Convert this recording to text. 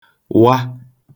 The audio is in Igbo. wa